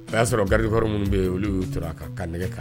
A y'a sɔrɔ gardes du corps minnu be ye olu y'u tor'a ka ka nɛgɛ k'a